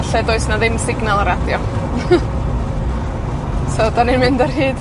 A lle does 'na ddim signal radio. So 'dan ni'n mynd ar hyd